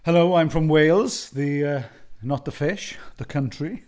Hello, I'm from Wales. The er not the fish, the country.